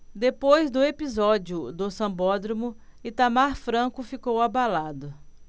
depois do episódio do sambódromo itamar franco ficou abalado